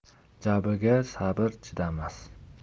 jabiga sabr chidamas